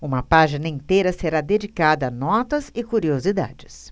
uma página inteira será dedicada a notas e curiosidades